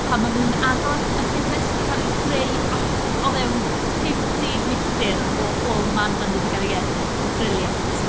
Pan maen nhw'n agor y pethe sy 'di cael eu greu o fewn pump deg milltir o o man maen nhw wedi cael eu geni. Briliant!